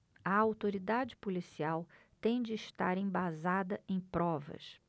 a autoridade policial tem de estar embasada em provas